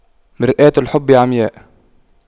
مرآة الحب عمياء